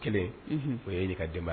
Kelen o ye ɲininka ka denbaya ye